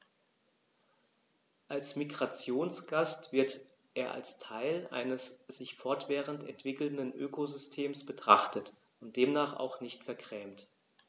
Als Migrationsgast wird er als Teil eines sich fortwährend entwickelnden Ökosystems betrachtet und demnach auch nicht vergrämt.